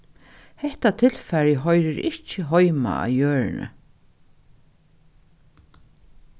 hetta tilfarið hoyrir ikki heima á jørðini